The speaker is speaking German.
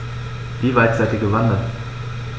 Wie weit seid Ihr gewandert?